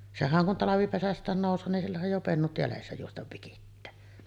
sehän kun talvipesästään nousee niin sillähän jo pennut jäljessä juosta vikittää